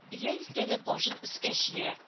Бия сискәнеп башын өскә чөя